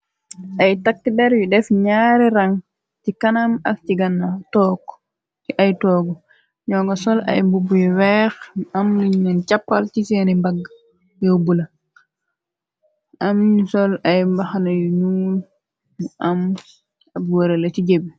Ay takk dar yu def naari rang ci kanam ak ci gannaw tog ci togu ñoo nga sol ay mbuba yu weex am liñ neen cappal ci seeni mbagg yo bulo am ni sol ay mbaxana yu ñuul mu am ab wërala ci jébbi.